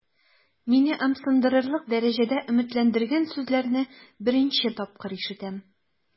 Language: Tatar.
Мине ымсындырырлык дәрәҗәдә өметләндергән сүзләрне беренче тапкыр ишетәм.